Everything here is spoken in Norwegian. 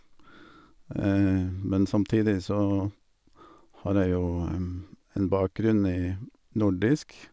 Men samtidig så har jeg jo en bakgrunn i nordisk.